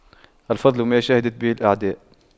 الفضل ما شهدت به الأعداء